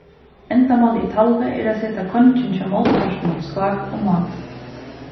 endamálið í talvi er at seta kongin hjá mótpartinum skák og mát